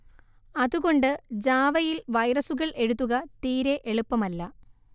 അതുകൊണ്ട് ജാവയിൽ വൈറസുകൾ എഴുതുക തീരെ എളുപ്പമല്ല